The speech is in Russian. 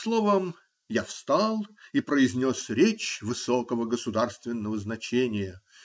Словом, я встал и произнес речь высокого государственного значения.